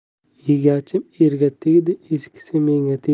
egachim erga tegdi eskisi menga tegdi